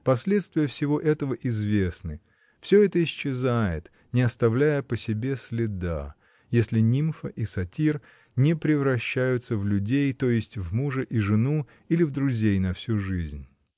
Последствия всего этого известны, всё это исчезает, не оставляя по себе следа, если нимфа и сатир не превращаются в людей, то есть в мужа и жену или в друзей на всю жизнь.